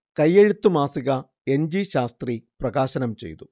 കൈയെഴുത്ത് മാസിക N. G Shastri പ്രകാശനം ചെയ്തു